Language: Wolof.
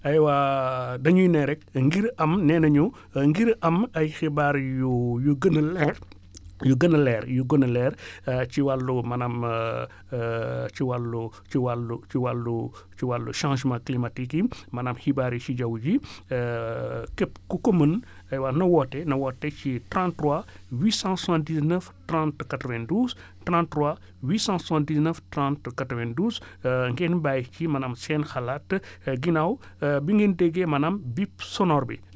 aywa dañuy ne rekk ngir am nee nañu ngir am ay xibaar yu yu gën a leer yu gën a leer yu gën a leer ci wàllu maanaam ci wàllu ci wàllu ci wàllu ci wàllu changement climatique yi maanaam xibaar yi ci jaww ji képp ku ko mën aywa na woote na woote ci 33 879 30 92 33 879 30 92 ngeen bàyyi ci maanaam seen xalaat ginnaaw bi ngeen déggee maanaam bip sonore bi